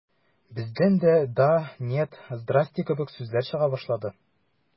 Бездән дә «да», «нет», «здрасте» кебегрәк сүзләр чыга башлады.